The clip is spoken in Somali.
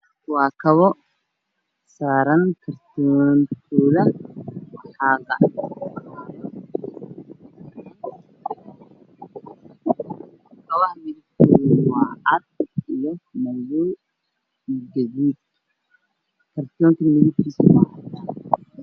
Waa kabo saaran kartoon gaduud ah ,kabaha midabkoodu waa cadaan io madow io gaduud kartoonka midabkiisu waa cadaan